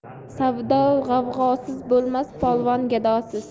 savdo g'avg'osiz bo'lmas polvon gavdasiz